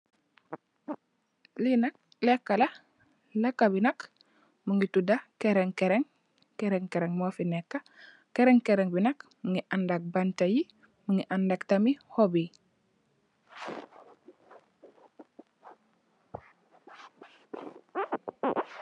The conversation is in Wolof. Lee nak leka la leka be nak muge tuda kereng kereng kereng kereng muge neka kereng kereng be nak muge andax banta ye muge andax tamin xopp yee.